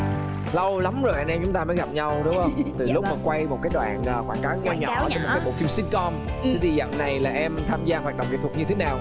lâu lắm rồi anh em chúng ta mới gặp nhau đúng hông từ lúc mà quay một cái đoạn quảng cáo nhỏ cho một bộ phim sít com thế thì dạo này là em tham gia hoạt động nghệ thuật như thế nào